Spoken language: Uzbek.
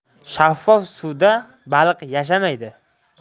shaffof suvda baliq yashamaydi